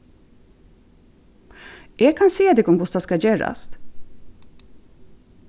eg kann siga tykkum hvussu tað skal gerast